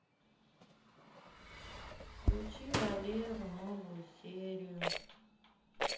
включи валеру новую серию